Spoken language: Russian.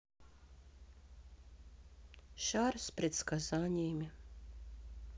шар с предсказаниями